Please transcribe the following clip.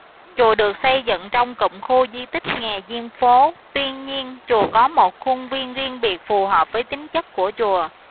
chùa được xây dựng trong cụm khu di tích nghè diêm phố tuy nhiên chùa có một khuôn viên riêng biệt phù hợp với tính chất của chùa